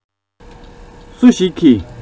སུ ཞིག གིས